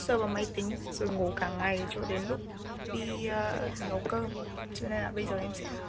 em không muốn sờ vào máy tính rồi ngủ cả ngày cho đến lúc đi ơ nấu cơm cho nên là bây giờ em sẽ